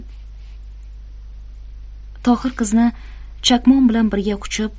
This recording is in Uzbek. tohir qizni chakmon bilan birga quchib